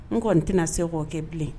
N kɔni n tɛna se' kɛ bilen